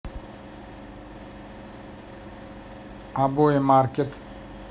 обои маркет